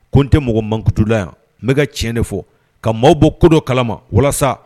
Ko n tɛ mɔgɔ mankutula yan n bɛ ka tiɲɛ de fɔ ka maaw bɔ kodo kalama walasa